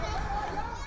học